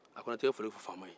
a ko n na taa i ka foli fɔ faama ye